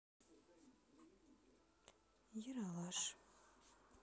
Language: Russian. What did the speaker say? ералаш